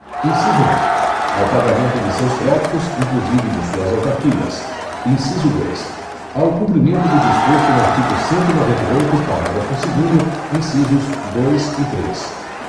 inciso um ao pagamento de seus créditos inclusive de suas autarquias inciso dois ao cumprimento do disposto no artigo cento e noventa e oito parágrafo segundo incisos dois e três